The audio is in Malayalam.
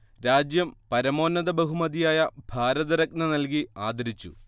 രാജ്യം പരമോന്നത ബഹുമതിയായ ഭാരതരത്ന നൽകി ആദരിച്ചു